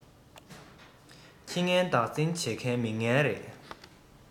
ཁྱི ངན བདག འཛིན བྱེད མཁན མི ངན རེད